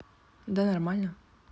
да нормально